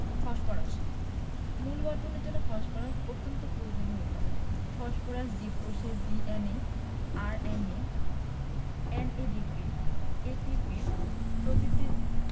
phosphorus মূল বর্ধনের জন্য ফসফরাস অত্যন্ত পয়োজনীয় উপাদান ফসফরাস জীবকোষের D N A R N A N ADP ATP প্রভিতির